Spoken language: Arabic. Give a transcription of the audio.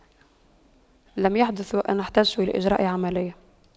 لم يحدث وأن احتجت لإجراء عملية